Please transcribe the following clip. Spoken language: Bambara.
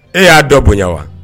E y'a dɔ bonya wa